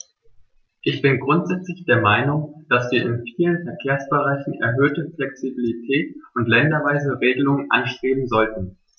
Ich bin grundsätzlich der Meinung, dass wir in vielen Verkehrsbereichen erhöhte Flexibilität und länderweise Regelungen anstreben sollten.